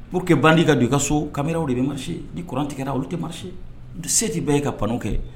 O kɛ bandi ka don i ka so cameras de bɛ marcher kuran tigɛra olu tɛ marcher se tɛ bɛ ye ka panneaux kɛ.